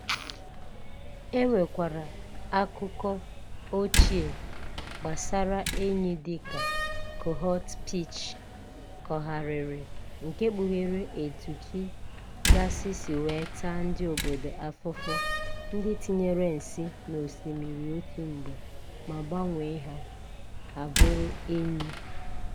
E nwekwara akụkọ ochie gbasara ényí dị ka Chhot Pich kọgharịrị nke kpughere etu chi gasị si wee taa ndị obodo afụfụ ndị tinyere nsí n'osimiri otu mgbe ma gbanwee ha ha bụrụ ényí.